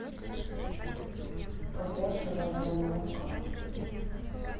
кокосового молока